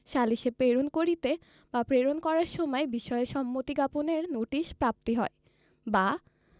সালিসে প্রেরণ করিতে বা প্রেরণ করার বিষয়ে সম্মতি জ্ঞাপনের নোটিশ প্রাপ্তি হয় বা